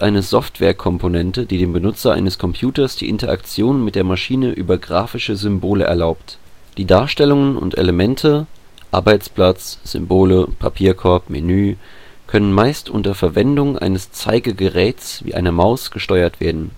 Weitere Bedeutungen von Gui und GUI unter Gui. KDE 4.7 – eine Benutzeroberfläche, die von manchen Linux-Distributionen verwendet wird. Eine grafische Benutzeroberfläche (GBO) ist eine Software-Komponente, die dem Benutzer eines Computers die Interaktion mit der Maschine über grafische Symbole erlaubt. Die Darstellungen und Elemente (Arbeitsplatz, Symbole, Papierkorb, Menü) können meist unter Verwendung eines Zeigegerätes wie einer Maus gesteuert werden